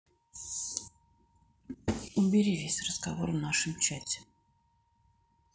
убери весь разговор в нашем чате